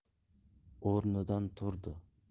o'rnidan turdi